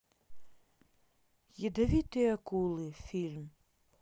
ядовитые акулы фильм